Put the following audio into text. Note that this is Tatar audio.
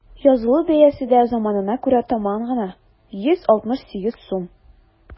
Язылу бәясе дә заманына күрә таман гына: 168 сум.